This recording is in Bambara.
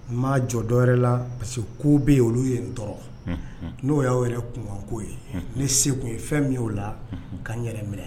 N ma jɔ dɔ la parce que ko bɛ yen olu ye n tɔɔrɔ n'o y'aw yɛrɛ kunko ye ne se tun ye fɛn min' o la ka n yɛrɛ minɛ